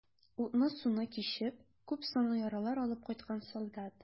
Утны-суны кичеп, күпсанлы яралар алып кайткан солдат.